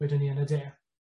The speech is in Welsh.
wedwn ni yn a de.